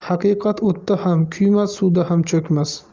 haqiqat o'tda ham kuymas suvda ham cho'kmas